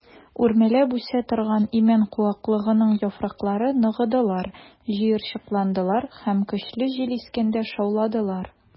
Үрмәләп үсә торган имән куаклыгының яфраклары ныгыдылар, җыерчыкландылар һәм көчле җил искәндә шауладылар.